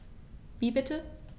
Wie bitte?